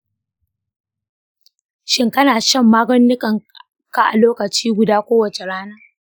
shin kana shan magungunanka a lokaci guda kowace rana?